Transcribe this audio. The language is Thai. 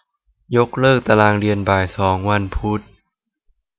ยกเลิกตารางเรียนบ่ายสองวันพุธ